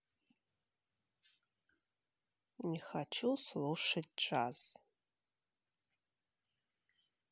не хочу слушать джаз